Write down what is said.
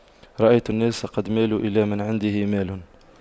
رأيت الناس قد مالوا إلى من عنده مال